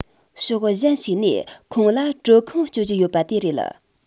ཕྱོགས གཞན ཞིག ནས ཁོང ལ དྲོད ཁང སྤྱོད རྒྱུ ཡོད པ དེ རེད